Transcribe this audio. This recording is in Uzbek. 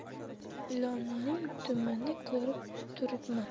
ilonning dumini ko'rib turibman